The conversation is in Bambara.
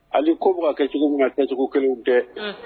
Ale koba kɛ cogo min ka tɛcogo kelen tɛ